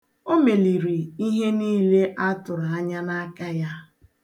O meliri ihe niile a tụrụ anya n'aka ya.